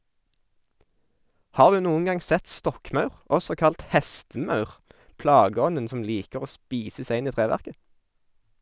Har du noen gang sett stokkmaur, også kalt hestemaur, plageånden som liker å spise seg inn i treverket?